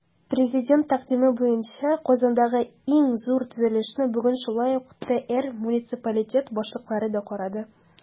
Президент тәкъдиме буенча Казандагы иң зур төзелешне бүген шулай ук ТР муниципалитет башлыклары да карады.